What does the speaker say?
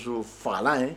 fagalan ye